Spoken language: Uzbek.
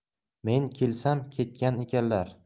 men kelsam ketgan ekanlar